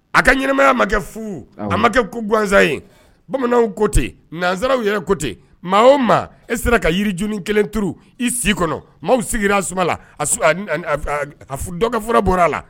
A ka ɲmaya ma kɛ fo a ma kɛ ko gansan ye bamananw ko ten nanzsaraww yɛrɛ ko ten maa o ma e sera ka yirij kelen tuuru i si kɔnɔ maaw sigira a suma dɔgɔ fɔlɔ bɔra a la